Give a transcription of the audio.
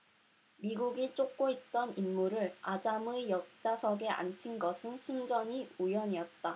미국이 쫓고 있던 인물을 아잠의 옆좌석에 앉힌 것은 순전히 우연이었다